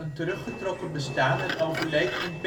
teruggetrokken bestaan en overleed in Berchtesgaden